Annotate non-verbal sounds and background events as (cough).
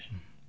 (hesitation) (hesitation)